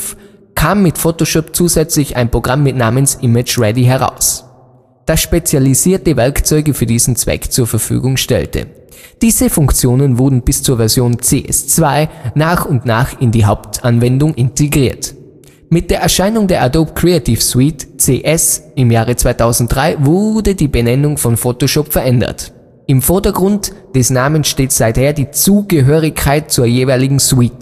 kam mit Photoshop ein zusätzliches Programm namens ImageReady heraus, das spezialisierte Werkzeuge für diesen Zweck zur Verfügung stellte. Diese Funktionen wurden bis zur Version CS2 nach und nach in die Hauptanwendung integriert. Mit dem Erscheinen der Adobe Creative Suite (CS) (2003) wurde die Benennung von Photoshop verändert: Im Vordergrund des Namens steht seither die Zugehörigkeit zur jeweilen „ Suite